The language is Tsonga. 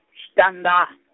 Xitanda- .